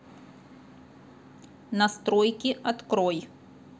настройки открой